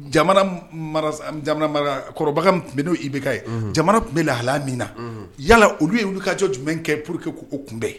Jamana kɔrɔ tun bɛ n'o i bɛ ka jamana tun bɛ hahala min na yala olu ye olu kajɔ jumɛn kɛ porour que k' kunbɛn